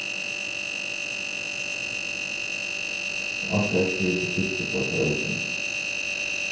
hon orkar ikki fyri kritikki frá foreldrunum